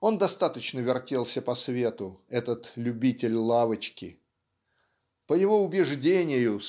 Он достаточно вертелся по свету, этот любитель лавочки. По его убеждению